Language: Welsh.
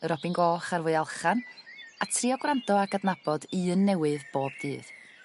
y robin goch ar fwyalchan, a trio gwrando ag adnabod un newydd bob dydd,